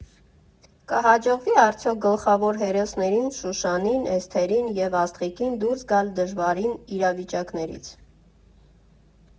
Կհաջողվի՞ արդյոք գլխավոր հերոսներին՝ Շուշանին, Էսթերին և Աստղիկին դուրս գալ դժվարին իրավիճակներից…